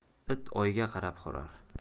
it oyga qarab hurar